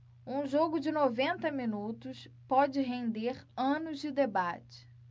um jogo de noventa minutos pode render anos de debate